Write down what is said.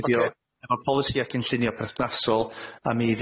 y polisïa cynllunio perthnasol a mi